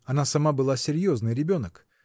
Она сама была серьезный ребенок